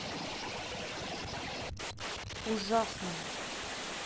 ужасная